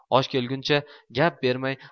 osh kelguncha gap bermay